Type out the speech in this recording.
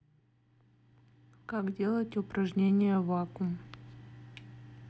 как делать упражнение вакуум